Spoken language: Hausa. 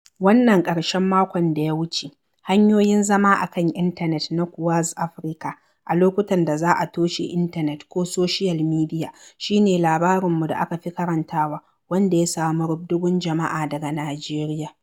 Wannan ƙarshen makon da ya wuce, hanyoyin zama a kan intanet na ƙuartz Africa a lokutan da za a toshe intanet ko soshiyal midiya shi ne labarinmu da aka fi karantawa, wanda ya samu rubdugun jama'a daga Najeriya.